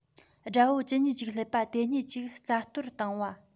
དགྲ བོ ཇི སྙེད ཅིག སླེབས པ དེ སྙེད ཅིག རྩ གཏོར བཏང བ